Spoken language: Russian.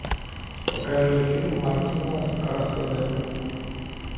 покажи фильмы мартина скорсезе